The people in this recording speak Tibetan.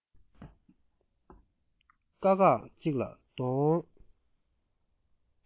དཀའ ཁག ཅིག ལ གདོང